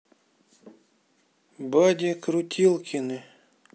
бади крутилкины